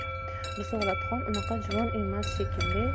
risolatxon unaqa juvon emas shekilli